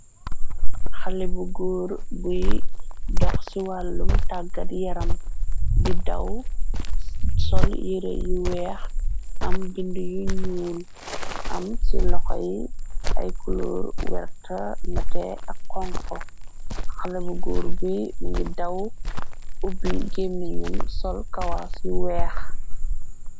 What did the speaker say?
Xale bu góur buy dox ci wàllum tàggat yaram di daw sol yëre yu weex am bindu yu ñuul am ci loxoy ay clor werta nate ak kongko xalé bu góor bi ngi daw ubbi géminum sol kawas yu weex.